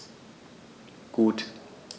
Gut.